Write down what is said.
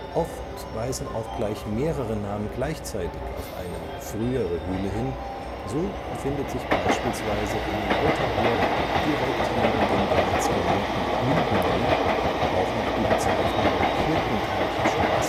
Oft weisen auch gleich mehrere Namen gleichzeitig auf eine (frühere) Hüle hin, so findet sich beispielsweise in Lauterburg direkt neben dem bereits genannten Hülbenweg auch noch die Bezeichnung Hirtenteichstraße